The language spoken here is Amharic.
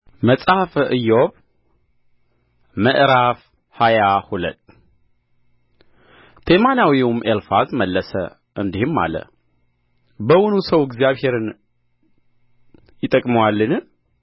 መጽሐፈ ኢዮብ ምዕራፍ ሃያ ሁለት ቴማናዊውም ኤልፋዝ መለሰ እንዲህም አለ በውኑ ሰው እግዚአብሔርን ይጠቅመዋልን